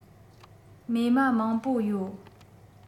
རྨས མ མང པོ ཡོད